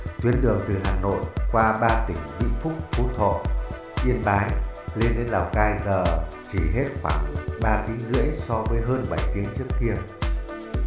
tuyến đường từ hà nội qua tỉnh vĩnh phúc phú thọ yên bái lên đến lào cai giờ đi chỉ hết khoảng tiếng so với hơn tiếng trước đây